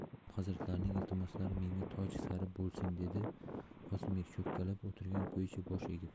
xonim hazratlarining iltimoslari menga toji sar bo'lsin dedi qosimbek cho'kkalab o'tirgan ko'yicha bosh egib